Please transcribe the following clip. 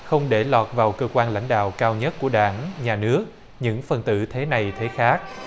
không để lọt vào cơ quan lãnh đạo cao nhất của đảng nhà nước những phần tử thế này thế khác